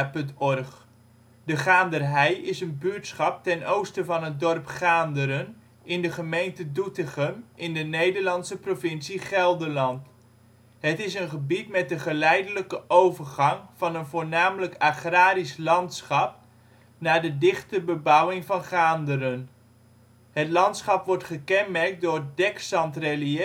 OL Gaanderhei Plaats in Nederland Situering Provincie Gelderland Gemeente Doetinchem Coördinaten 51° 56′ NB, 6° 22′ OL Portaal Nederland Beluister (info) De Gaanderhei is een buurtschap ten oosten van het dorp Gaanderen in de gemeente Doetinchem in de Nederlandse provincie Gelderland. Het is een gebied met een geleidelijke overgang van een voornamelijk agrarisch landschap naar de dichte bebouwing van Gaanderen. Het landschap wordt gekenmerkt door dekzandreliëf